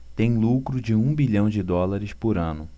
tem lucro de um bilhão de dólares por ano